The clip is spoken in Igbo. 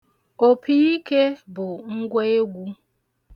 Opiike bụ ngwa egwu.